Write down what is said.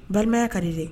Baya ka di dɛ